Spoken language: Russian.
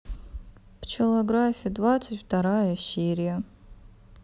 пчелография двадцать вторая серия